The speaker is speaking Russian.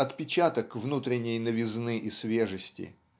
отпечаток внутренней новизны и свежести